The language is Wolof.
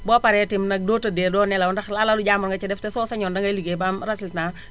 boo paree tamit nag boo tëddee doo nelaw ndax alalu jàmbur nga ci def te soo sañoon dangay ligéey ba am résultat